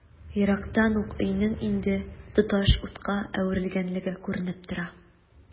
Ерактан ук өйнең инде тоташ утка әверелгәнлеге күренеп тора.